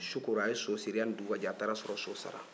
su kora a ye so siri yanni dugu ka jɛ a taara sɔrɔ so sara